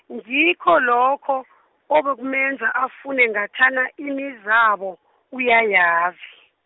ngikho lokhu , obekumenza afune ngathana imizabo, uyayazi.